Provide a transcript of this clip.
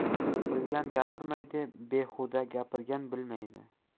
bilgan gapirmaydi bexuda gapirgan bilmaydi